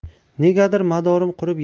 negadir madorim qurib